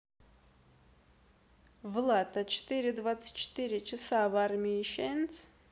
влад а четыре двадцать четыре часа в армии chance